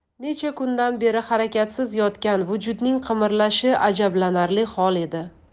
necha kundan beri harakatsiz yotgan vujudning qimirlashi ajablanarli hol edi